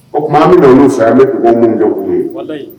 O tuma min ninnu fɛ ne tun minnu jɔ' ye